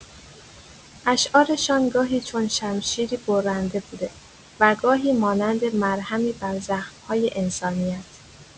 اشعارشان گاهی چون شمشیری برنده بوده و گاهی مانند مرهمی بر زخم‌های انسانیت.